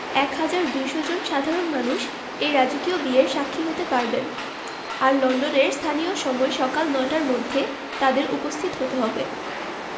১হাজার ২০০ জন সাধারণ মানুষ এই রাজকীয় বিয়ের সাক্ষী হতে পারবেন আর লন্ডনের স্থানীয় সময় সকাল নয়টার মধ্যে তাঁদের উপস্থিত হতে হবে